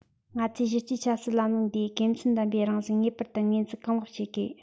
ང ཚོས གཞི རྩའི ཆབ སྲིད ལམ ལུགས འདིའི དགེ མཚན ལྡན པའི རང བཞིན ངེས པར དུ ངོས འཛིན གང ལེགས བྱེད དགོས